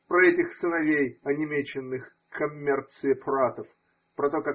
про этих сыновей онемеченных коммерциепратов, про то.